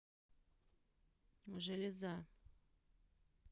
железа